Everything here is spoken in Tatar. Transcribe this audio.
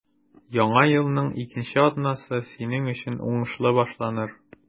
Яңа елның икенче атнасы синең өчен уңышлы башланыр.